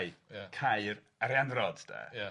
Caer Arianrhod 'de? Ia.